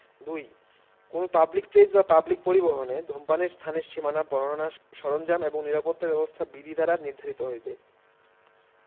২ কোন public place বা public পরিবহণে ধূমপানের স্থানের সীমানা বর্ণনা সরঞ্জাম এবং নিরাপত্তা ব্যবস্থা বিধি দ্বারা নির্ধারিত হইবে